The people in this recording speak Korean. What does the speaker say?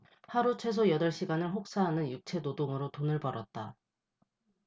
하루 최소 여덟 시간 혹사하는 육체노동으로 돈을 벌었다